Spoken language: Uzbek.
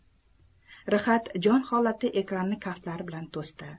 rhaq jon holatda ekranni kaftlari bilan to'sdi